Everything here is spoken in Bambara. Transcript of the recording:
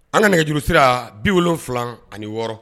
An nana nɛgɛjuru sera bi wolon wolonwula ani wɔɔrɔ